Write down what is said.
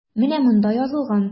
Менә монда язылган.